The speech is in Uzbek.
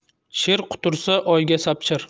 sher qutursa oyga sapchir